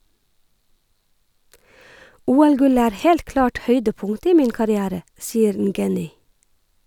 OL-gullet er helt klart høydepunktet i min karriere, sier Ngeny.